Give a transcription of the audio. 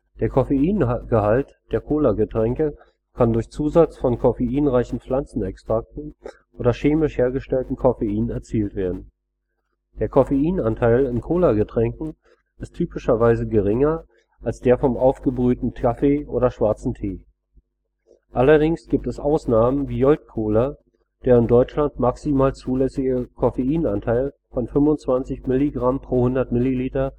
Der Coffeingehalt der Colagetränke kann durch Zusatz von coffeinreichen Pflanzenextrakten oder chemisch hergestelltem Coffein erzielt werden. Der Coffein-Anteil in Cola-Getränken ist typischerweise geringer als der von aufgebrühtem Kaffee oder schwarzem Tee. Allerdings gibt es Ausnahmen wie Jolt Cola, der in Deutschland maximal zulässige Coffeinanteil von 25 mg/100 ml